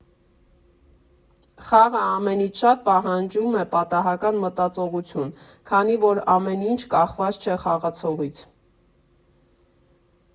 Խաղը ամենից շատ պահանջում է «պատահական մտածողություն», քանի որ ամեն ինչ կախված չէ խաղացողից։